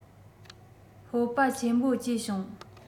སྤོབས པ ཆེན པོ སྐྱེས བྱུང